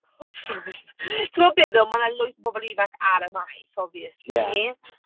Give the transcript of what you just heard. Hot Fuzz. Timod be ddo, ma' 'na lwyth o bobl ifanc ar y maes obviously... ie.